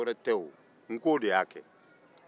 dɔwɛrɛ tɛ o nko de y'a kɛ